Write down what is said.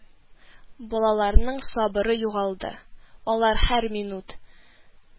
Балаларның сабыры югалды, алар һәр минут: